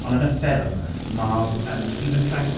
Ond yn y ffilm, mab, yym, Stephen Fry.